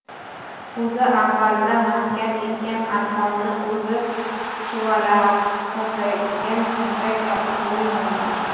o'zi avvalda mahkam etgan arqonni o'zi chuvalab tashlaydigan kimsa kabi bo'lmanglar